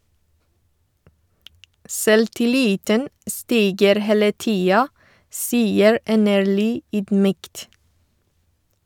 Selvtilliten stiger hele tida, sier Enerly ydmykt.